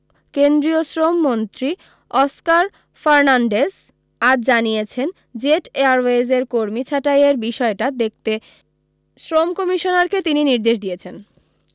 কেন্দ্রীয় শ্রমমন্ত্রী অসকার ফারনান্ডেজ আজ জানিয়েছেন জেট এয়ারওয়েজের কর্মী ছাঁটাইয়ের বিষয়টা দেখতে শ্রম কমিশনারকে তিনি নির্দেশ দিয়েছেন